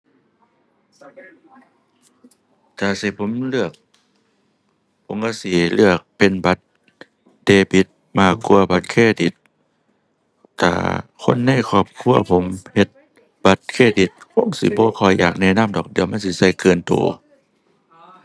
ถ้าสิให้ผมเลือก ผมก็สิเลือกเป็นบัตรเดบิตมากกว่าบัตรเครดิต ก็ คนในครอบครัวผมเฮ็ดบัตรเครดิต คงสิบ่ค่อยอยากแนะนำดอก เดี๋ยวมันสิก็เกินก็